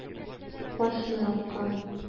Кач еракка.